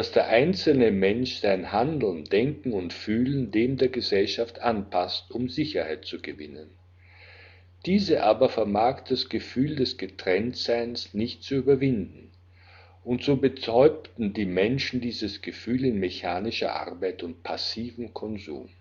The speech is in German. der einzelne Mensch sein Handeln, Denken und Fühlen dem der Gesellschaft anpasst, um Sicherheit zu gewinnen. Diese aber vermag das Gefühl des Getrenntseins nicht zu überwinden, und so betäubten die Menschen dieses Gefühl in mechanischer Arbeit und passivem Konsum